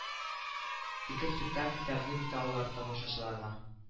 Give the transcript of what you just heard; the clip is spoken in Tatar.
Ике спектакль тәкүдим итә алар тамашачыларга